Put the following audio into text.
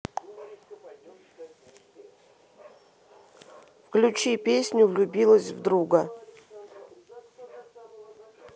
включи песню влюбилась в друга